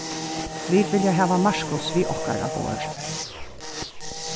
vit vilja hava markus við okkara borð